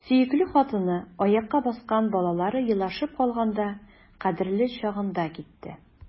Сөекле хатыны, аякка баскан балалары елашып калганда — кадерле чагында китте!